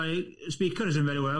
My speaker is in very well.